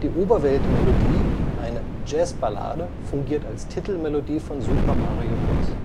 Oberwelt-Melodie, eine „ Jazz-Ballade “, fungiert als Titelmelodie von Super Mario Bros